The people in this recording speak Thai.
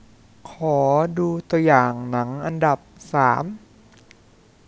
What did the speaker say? ขอดูตัวอย่างหนังอันดับสาม